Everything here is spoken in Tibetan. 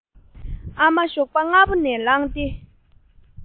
ཨ མ ཞོགས པ སྔ མོ ནས ལངས ཏེ